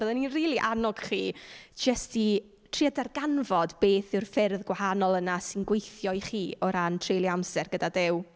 Byddwn i'n rili annog chi jyst i trio darganfod beth yw'r ffyrdd gwahanol yna sy'n gweithio i chi o ran treulio amser gyda Duw.